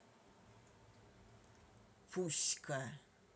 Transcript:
пуська